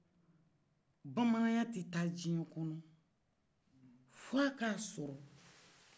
bamananya te taa jiɛ kɔnɔ f'a ka sɔrɔ